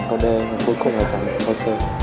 câu xê